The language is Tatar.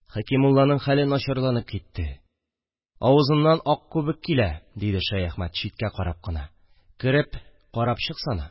– хәкимулланың хәле начарланып китте, авызыннан ак күбек килә, – диде шәяхмәт читкә карап кына– кереп карап чыксана